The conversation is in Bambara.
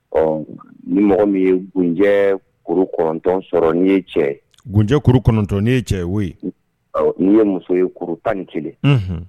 Ɔ ni mɔgɔ min ye gunjɛ kuru kɔnɔntɔn sɔrɔ n ye cɛ gunjɛ kuru kɔnɔntɔn ni ye cɛ yewo ye n' ye muso ye kuru tan ni kelen